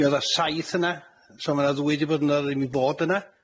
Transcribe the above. Mi o'dd 'a saith yna, so ma' na ddwy di bod yna ddim i fod yna.